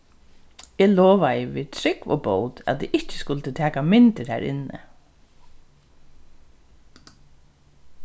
eg lovaði við trúgv og bót at eg ikki skuldi taka myndir har inni